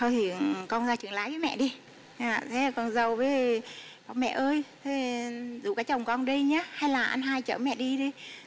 thôi thì con ra trường lái với mẹ đi thế là con dâu mí bảo mẹ ơi thế rủ cả chồng con đi nhá hay là anh hai chở mẹ đi đi